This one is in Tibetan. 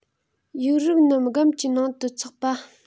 ཡིག རིགས རྣམས སྒམ གྱི ནང དུ འཚགས པ